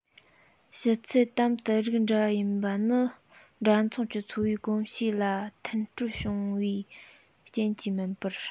ཕྱི ཚུལ དམ དུ རིགས འདྲ ཡིན པ ནི འདྲ མཚུངས ཀྱི འཚོ བའི གོམས གཤིས ལ མཐུན འཕྲོད བྱུང བའི རྐྱེན གྱིས མིན པར